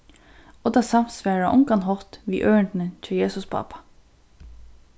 og tað samsvarar á ongan hátt við ørindini hjá jesus pápa